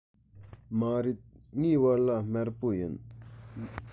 མ རེད ངའི བལ ལྭ དམར པོ ཡིན